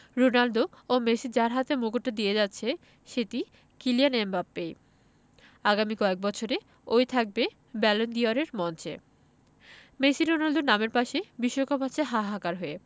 Ronaldo ও Messi যার হাতে মুকুটটা দিয়ে যাচ্ছে সেটি কিলিয়ান এমবাপ্পেই আগামী কয়েক বছরে ও ই থাকবে ব্যালন ডি অরের মঞ্চে মেসি রোনালদোর নামের পাশে বিশ্বকাপ আছে হাহাকার হয়ে